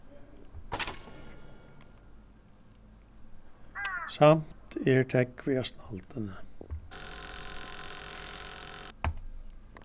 samt er tógvið á snælduni